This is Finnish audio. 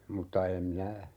mutta en minä